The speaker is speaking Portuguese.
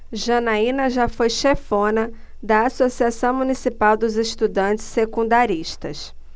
janaina foi chefona da ames associação municipal dos estudantes secundaristas